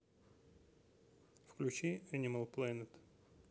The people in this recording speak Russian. включи энимал плэнет